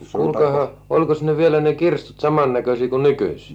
kuulkaahan olikos ne vielä ne kirstut samannäköisiä kuin nykyisin